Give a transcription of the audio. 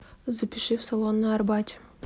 запиши в салон на арбате